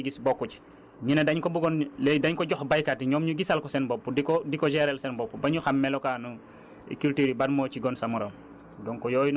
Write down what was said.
léegi nag ñu ne weddi gis bokku ci ñu ne dañ ko buggoon léegi dañ ko jox baykat yi ñoom ñu gisal ko seen bopp di ko di ko géré seen bopp ba ñu xam melekaanu cultures yi ban moo ci gën sa moroom